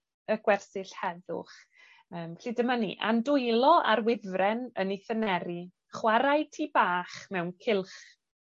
y gwersyll heddwch. Yym felly dyma ni. A'n dwylo ar wifren yn ei thyneru, chwarae tŷ bach mewn cylch.